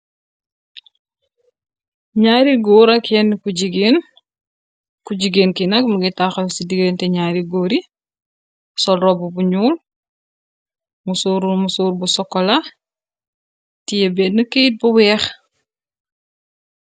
Nyaari góor ak kenn ku jigéen ki nag mungi taxxaw ci diggéente ñaari góor i sol rob bu ñyuul mu soor mu sóor bu sokola tiyé benn keyit bu weex.